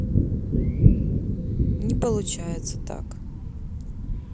не получается так